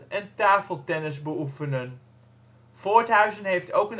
en tafeltennis beoefenen. Voorthuizen heeft ook